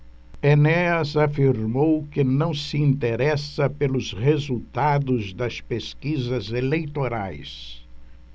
enéas afirmou que não se interessa pelos resultados das pesquisas eleitorais